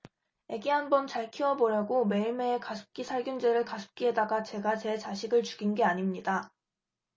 애기 한번 잘 키워보려고 매일매일 가습기 살균제를 가습기에다가 제가 제 자식을 죽인 게 아닙니다